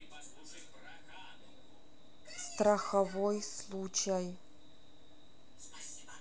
страховой случай